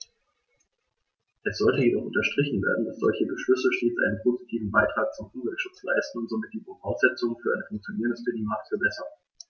Es sollte jedoch unterstrichen werden, dass solche Beschlüsse stets einen positiven Beitrag zum Umweltschutz leisten und somit die Voraussetzungen für ein Funktionieren des Binnenmarktes verbessern.